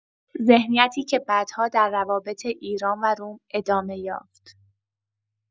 ذهنیتی که بعدها در روابط ایران و روم ادامه یافت.